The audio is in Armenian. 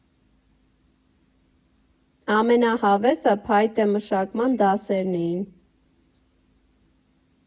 Ամենահավեսը փայտամշակման դասերն էին.